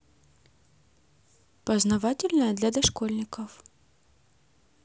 познавательное для дошкольников